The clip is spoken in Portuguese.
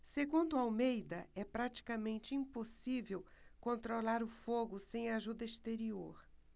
segundo almeida é praticamente impossível controlar o fogo sem ajuda exterior